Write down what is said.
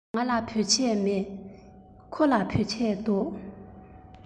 ང ལ བོད ཆས མེད ཁོ ལ བོད ཆས འདུག